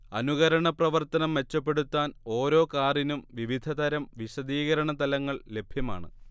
അനുകരണ പ്രവർത്തനം മെച്ചപ്പെടുത്താൻ ഓരോ കാറിനും വിവിധ തരം വിശദീകരണ തലങ്ങൾ ലഭ്യമാണ്